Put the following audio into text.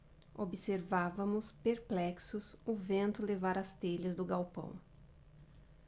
observávamos perplexos o vento levar as telhas do galpão